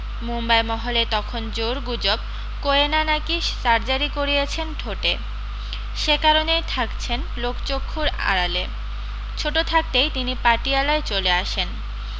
মুম্বাই মহলে তখন জোর গুজব কোয়েনা নাকি সার্জারি করিয়েছেন ঠোঁটে সে কারণেই থাকছেন লোকচক্ষূর আড়ালে ছোট থাকতেই তিনি পাটিয়ালায় চলে আসেন